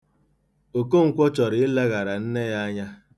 Okonkwọ chọrọ ileghara nne ya anya.